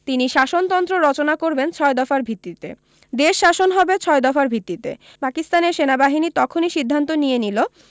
তিনি শাসনতন্ত্র রচনা করবেন ছয় দফার ভিত্তিতে দেশ শাসন হবে ছয় দফার ভিত্তিতে পাকিস্তানের সেনাবাহিনী তখনই সিদ্ধান্ত নিয়ে নিল